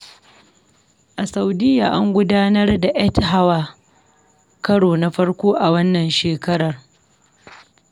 A Saudiyya, an gudanar da Earth Hour karo na farko a wannan shekarar.